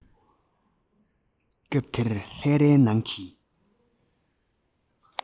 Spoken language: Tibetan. སྐབས དེར ལྷས རའི ནང གི